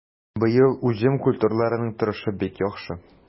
Быел уҗым культураларының торышы бик яхшы.